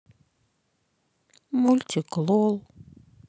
мультик лол